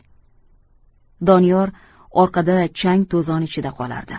doniyor orqada chang to'zon ichida qolardi